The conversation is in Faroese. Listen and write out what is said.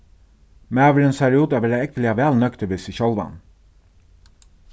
maðurin sær út at vera ógvuliga væl nøgdur við seg sjálvan